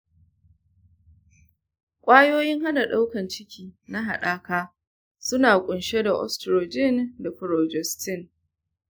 ƙwayoyin hana ɗaukar ciki na haɗaka suna ƙunshe da oestrogen da progestogen.